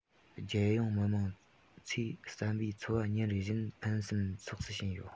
རྒྱལ ཡོངས མི དམངས ཚོའི བསམ པའི འཚོ བ ཉིན རེ བཞིན ཕུན སུམ ཚོགས སུ ཕྱིན ཡོད